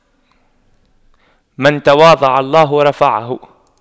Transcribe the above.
من تواضع لله رفعه